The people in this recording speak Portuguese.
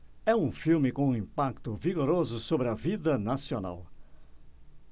é um filme com um impacto vigoroso sobre a vida nacional